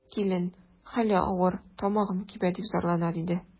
Килен: хәле авыр, тамагым кибә, дип зарлана, диде.